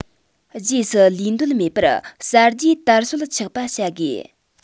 རྗེས སུ ལུས འདོད མེད པར གསར བརྗེའི དར སྲོལ ཆགས པ བྱ དགོས